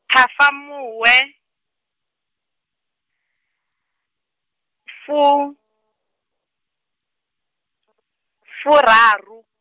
Ṱhafamuhwe, fu-, furaru.